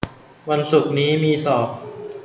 วันศุกร์นี้มีสอบ